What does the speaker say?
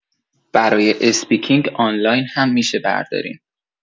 برای اسپیکینگ آنلاین هم می‌شه بردارین